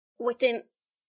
Wedyn